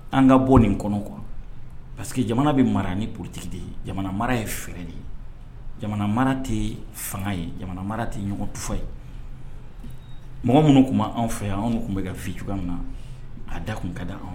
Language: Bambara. An ka bɔ nin kɔnɔ quoi parceque jamana bi mara ni politique de ye . Jamana mara ye fɛɛrɛ de ye. Jamana mara tɛ fanga ye , jamana mara tɛ ɲɔgɔn tufa ye. Mɔgɔ minnu kun ban fɛ yan anw nu kun bɛ ka vie cogoya min na a da kun ka di anw na.